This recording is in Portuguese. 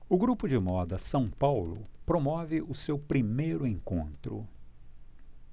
o grupo de moda são paulo promove o seu primeiro encontro